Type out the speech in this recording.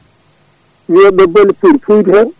wiiyoɓe bolle puyɗe puydu hen